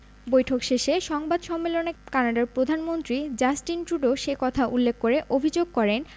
বৈঠক শেষে সংবাদ সম্মেলনে কানাডার প্রধানমন্ত্রী জাস্টিন ট্রুডো সে কথা উল্লেখ করে অভিযোগ করেন